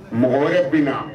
Mɔgɔ bɛ na